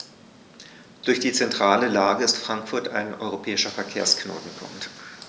Durch die zentrale Lage ist Frankfurt ein europäischer Verkehrsknotenpunkt.